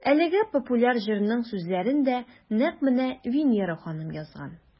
Әлеге популяр җырның сүзләрен дә нәкъ менә Винера ханым язган.